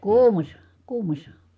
kuumassa kuumassa